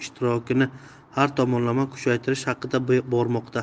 ishtirokini har tomonlama kuchaytirish haqida bormoqda